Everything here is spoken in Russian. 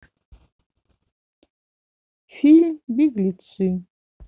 фильм беглецы